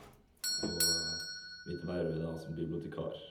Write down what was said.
Og Mitt verv er da som bibliotekar.